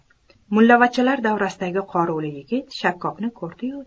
mullavachchalar davrasidagi qoruvli yigit shakkokni ko'rdi yu